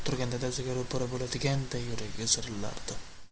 turgan dadasiga ro'para bo'ladiganday yuragi zirillardi